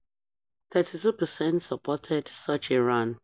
Thirty-two percent supported such a run.